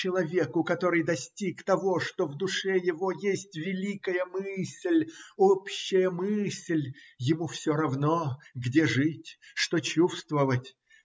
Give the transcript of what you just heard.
Человеку, который достиг того, что в душе его есть великая мысль, общая мысль, ему все равно, где жить, что чувствовать.